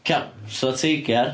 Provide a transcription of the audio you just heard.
Cewn. So teigar?